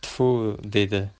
tfu dedi